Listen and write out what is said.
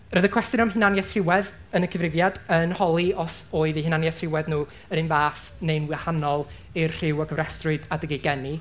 Roedd y cwestiwn am hunaniaeth rhywedd yn y cyfrifiad yn holi os oedd eu hunaniaeth rhywedd nhw yr un fath neu'n wahanol i'r rhyw a gofrestrwyd adeg eu geni.